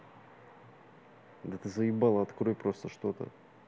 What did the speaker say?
да ты заебала открой просто то что